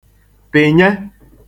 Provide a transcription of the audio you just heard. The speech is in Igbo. pìnye